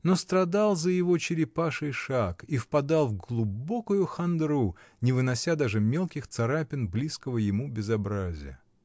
но страдал за его черепаший шаг и впадал в глубокую хандру, не вынося даже мелких царапин близкого ему безобразия.